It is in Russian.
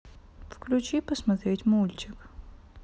включи посмотреть мультик